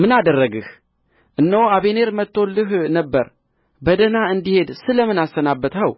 ምን አደረግህ እነሆ አበኔር መጥቶልህ ነበር በደኅና እንዲሄድ ስለ ምን አሰናበትኸው